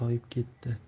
oyog'i toyib ketdi